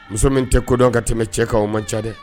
Muso min tɛ kodɔn ka tɛmɛ cɛ kan o man ca dɛ!